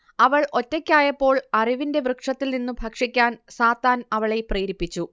അവൾ ഒറ്റയ്ക്കായപ്പോൾ അറിവിന്റെ വൃക്ഷത്തിൽ നിന്നു ഭക്ഷിക്കാൻ സാത്താൻ അവളെ പ്രേരിപ്പിച്ചു